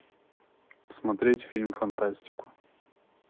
смотреть фильм фантастику